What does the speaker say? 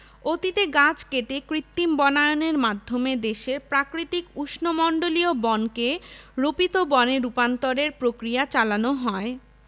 অতীতে গাছ কেটে কৃত্রিম বনায়নের মাধ্যমে দেশের প্রাকৃতিক উষ্ণমন্ডলীয় বনকে রোপিত বনে রূপান্তরের প্রক্রিয়া চালানো হয়